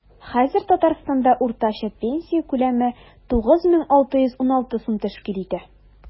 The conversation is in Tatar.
Хәзер Татарстанда уртача пенсия күләме 9616 сум тәшкил итә.